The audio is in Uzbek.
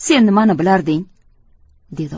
sen nimani bilarding dedi